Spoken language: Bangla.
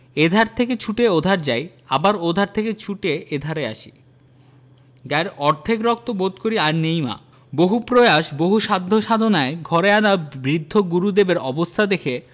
এধার থেকে ছুটে ওধার যাই আবার ওধার থেকে ছুটে এধারে আসি গায়ের অর্ধেক রক্ত বোধ করি আর নেই মা বহু প্রয়াস বহু সাধ্য সাধনায় ঘরে আনা বৃদ্ধ গুরুদেবের অবস্থা দেখে